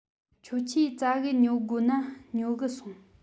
ཁྱོད ཆོས ཙ གེ ཉོ དགོ ན ཉོ གི སོང